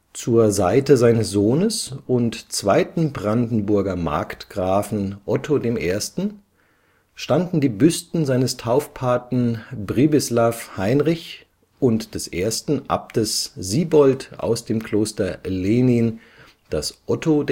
Zur Seite seines Sohnes und zweiten Brandenburger Markgrafen Otto I. standen die Büsten seines Taufpaten Pribislaw-Heinrich und des ersten Abtes Sibold aus dem Kloster Lehnin, das Otto